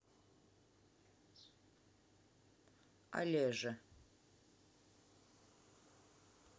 олеже